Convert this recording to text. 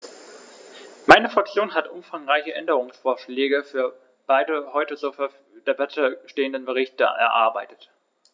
Meine Fraktion hat umfangreiche Änderungsvorschläge für beide heute zur Debatte stehenden Berichte erarbeitet.